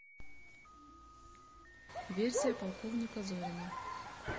версия полковника зорина